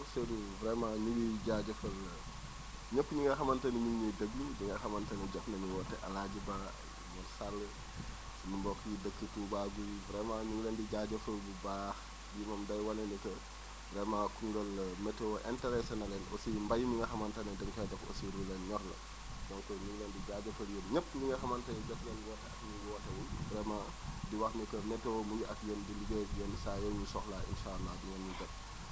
Seydou vraiment ñu ngi jaajëfal ñëpp ñi nga xamante ni ñu ngi ñuy déglu ñi nga xamante ni jot nañu woote El Hadj Ba Mor Sall sama mbokk mi dëkk touba Guy vraiment ñu ngi leen di jaajëfal bu baax lii moom day wane ni que vraiment Koungheul météo interessé na leen aussi mbay mi nga xamante ni dañ koy def aussi lu leen ñor la donc ñu ngi leen di jaajëfal yéen ñëpp ñi nga xamante ni jot nañu woote ak ñi wootewul vraiment di wax ni que météo mu ngi ak yéen di liggéey ak yéen saa yoo leen ñu soxlaa incha allah di ngeen ñu jot